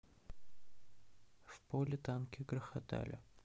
в поле танки грохотали